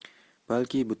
balki butun borliqni